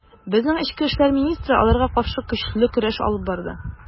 Безнең эчке эшләр министры аларга каршы көчле көрәш алып барды.